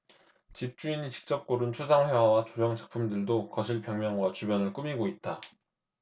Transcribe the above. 집주인이 직접 고른 추상 회화와 조형 작품들도 거실 벽면과 주변을 꾸미고 있다